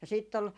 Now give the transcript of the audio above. ja sitten oli